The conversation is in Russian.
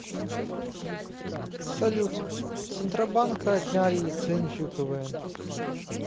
салют центробанка отняли лицензию квн